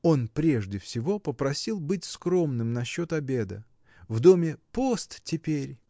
Он прежде всего попросил быть скромным насчет обеда. В доме пост теперь: